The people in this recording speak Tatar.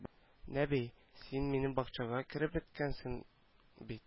Нәби син минем бакчага кереп беткәнсең бит